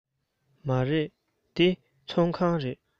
མ རེད འདི ཚོང ཁང རེད